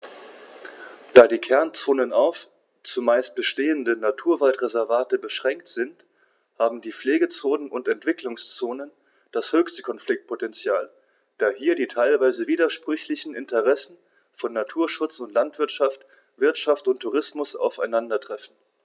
Da die Kernzonen auf – zumeist bestehende – Naturwaldreservate beschränkt sind, haben die Pflegezonen und Entwicklungszonen das höchste Konfliktpotential, da hier die teilweise widersprüchlichen Interessen von Naturschutz und Landwirtschaft, Wirtschaft und Tourismus aufeinandertreffen.